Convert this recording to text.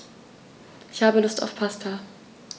Ich habe Lust auf Pasta.